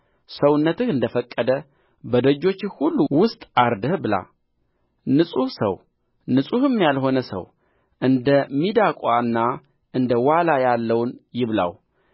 ሰውነትህ እንደ ፈቀደ በደጆችህ ሁሉ ውስጥ አርደህ ብላ ንጹሕ ሰው ንጹሕም ያልሆነ ሰው እንደ ሚዳቋና እንደ ዋላ ያለውን ይብላው